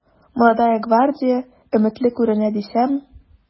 “молодая гвардия” өметле күренә дисәм...